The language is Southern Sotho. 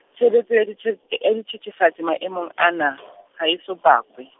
tshebetso ya dithe-, e dithethefatsi maemong ana , ha eso pakwe.